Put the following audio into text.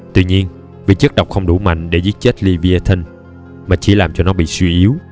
tuy nhiên vì chất độc không đủ mạnh để giết chết leviathan mà chỉ làm cho nó bị suy yếu